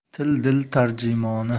til dil tarjimoni